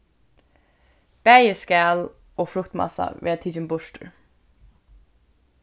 bæði skal og fruktmassa verða tikin burtur